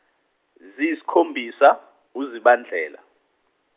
ziyisikhombisa uZibandlela.